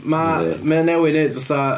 Mae- mae o newydd neud fatha...